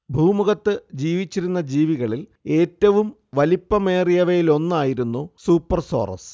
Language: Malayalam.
ഭൂമുഖത്ത് ജീവിച്ചിരുന്ന ജീവികളിൽ ഏറ്റവും വലിപ്പമേറിയവയിലൊന്നായിരുന്നു സൂപ്പർസോറസ്